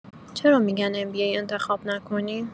چرا می‌گن MBA انتخاب نکنیم؟